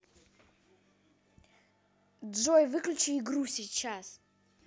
джой выключи игру сейчас